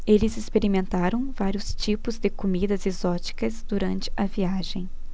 eles experimentaram vários tipos de comidas exóticas durante a viagem